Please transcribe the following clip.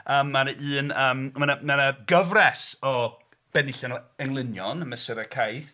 A mae 'na un... yym mae 'na gyfres o benillion o englynion mesurau caeth.